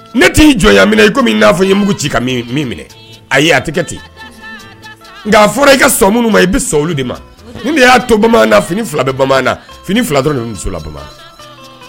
Ne t'i jɔnyamina i komi min n'a fɔ ye mugu ci ka min minɛ ayi a tɛgɛ ten nka fɔra i ka so minnu ma i bɛ so olu de ma n de y'a to bamanan fini fila bɛ bamanan fini filatɔ musola bama